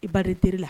I baden terieli la